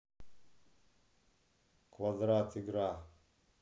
квадрат игра